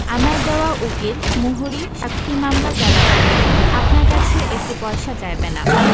আমার দেওয়া উকিল মুহুরী সাক্ষী মামলা চলা কালে আপনার কাছে একটি পয়সা চাইবে না